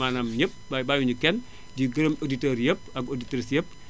maanaam ñépp bàyyiwuñu kenn di gërëm auditeurs yépp ak auditrices yépp